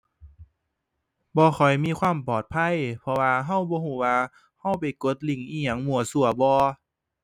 บ่ค่อยมีความปลอดภัย เพราะว่าเราบ่เราว่า เราไปกดลิงก์อิหยังมั่วซั่วบ่